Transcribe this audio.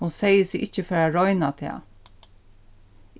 hon segði seg ikki fara at royna tað